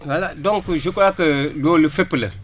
voilà donc je crois que loolu fépp la